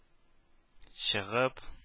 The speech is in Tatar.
Чыгып